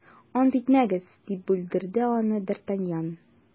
- ант итмәгез, - дип бүлдерде аны д’артаньян.